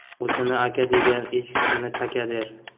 o'zini aka degan echkisini taka der